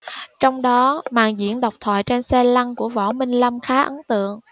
trong đó màn diễn độc thoại trên xe lăn của võ minh lâm khá ấn tượng